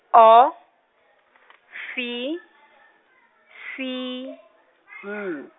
O , fi- , si-, ng-.